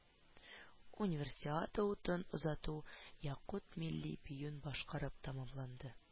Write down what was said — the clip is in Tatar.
Универсиада утын озату якут милли биюен башкарып тәмамланды